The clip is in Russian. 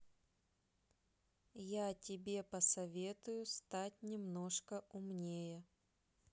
я тебе посоветую стать немножко умнее